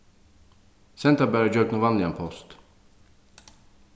send tað bara gjøgnum vanligan post